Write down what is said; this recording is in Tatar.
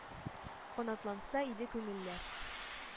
Канатланса иде күңелләр,